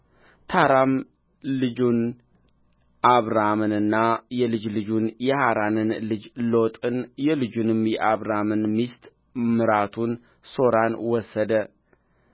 ታራም ልጁን አብራምንና የልጅ ልጁን የሐራንን ልጅ ሎጥን የልጁንም የአብራምን ሚስት ምራቱን ሦራን ወሰደ